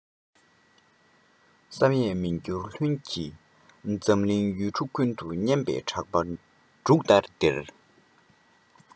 བསམ ཡས མི འགྱུར ལྷུན གྱིས འཛམ གླིང ཡུལ གྲུ ཀུན ཏུ སྙན པའི གྲགས པ འབྲུག ལྟར ལྡིར